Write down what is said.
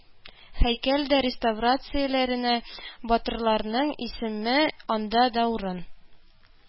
Һәйкәл дә реставрацияләнә, батырларның исеме анда да урын